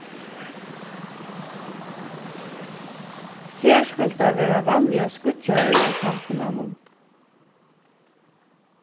serskøltar verða vanliga skýggjaðir av samfelagnum